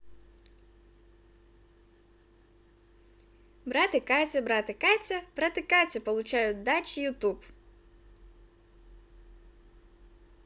брат и катя брат и катя брат и катя получают дачи youtube